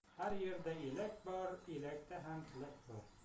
har yerda elak bor elakda tilak bor